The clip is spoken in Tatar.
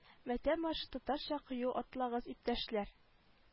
Матәм маршы татарча кыю атлагыз иптәшләр